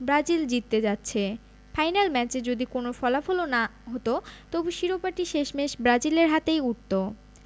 Brazil জিততে যাচ্ছে final ম্যাচে যদি কোনো ফলাফলও না হতো তবু শিরোপাটি শেষমেশ ব্রাজিলের হাতেই উঠত